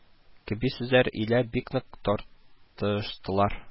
Кеби сүзләр илә бик нык тартыштылар